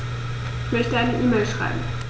Ich möchte eine E-Mail schreiben.